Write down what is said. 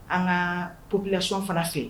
An ka ppilasɔnon fana fɛ yen